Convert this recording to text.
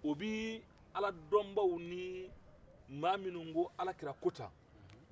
o bɛ aladɔnbaaw ni maaw minnun ko alakira ko tan